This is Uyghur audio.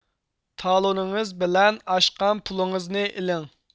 تالونىڭىز بىلەن ئاشقان پۇلىڭىزنى ئېلىڭ